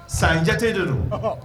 San jate de don